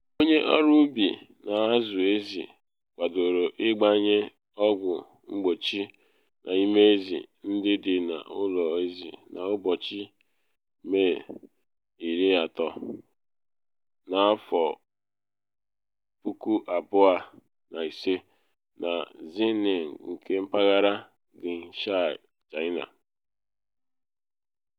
Onye ọrụ ubi na azụ ezi kwadoro ịgbanye ọgwụ mgbochi n’ime ezi ndị dị n’ụlọ ezi n’ụbọchi Meh 30, 2005 na Xining nke Mpaghara Qinghai, China.